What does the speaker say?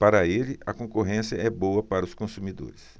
para ele a concorrência é boa para os consumidores